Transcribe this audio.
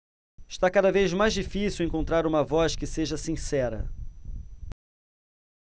está cada vez mais difícil encontrar uma voz que seja sincera